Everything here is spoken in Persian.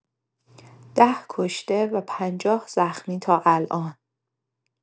۱۰ کشته و ۵۰ زخمی تا الان!